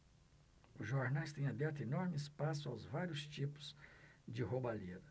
os jornais têm aberto enorme espaço aos vários tipos de roubalheira